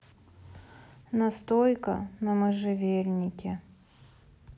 настойка на можжевельнике